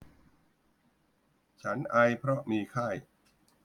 ฉันไอเพราะมีไข้